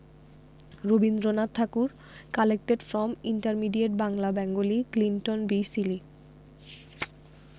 Rabindranath Thakur collected from intermediate Bangla Bengali Clinton B Seely